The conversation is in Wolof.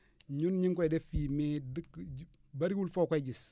ñun ñu ngi koy def fii mais dëkk bariwul foo koy gis